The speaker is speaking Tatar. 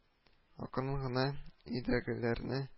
Акрын гына, өйдәгеләрне